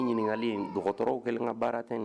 N ɲininkaka dɔgɔtɔrɔw kɛlen ka baara tɛ